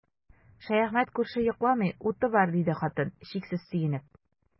Шәяхмәт күрше йокламый, уты бар, диде хатын, чиксез сөенеп.